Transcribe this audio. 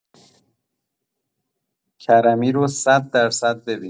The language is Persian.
کرمی رو ۱۰۰ درصد ببین